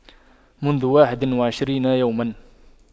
منذ واحد وعشرين يوما